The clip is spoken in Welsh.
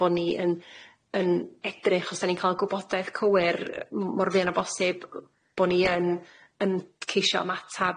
Bo' ni yn yn edrych, os 'dan ni'n ca'l y gwybodaeth cywir yy m- mor fuan â bosib, bo' ni yn yn ceisio ymatab.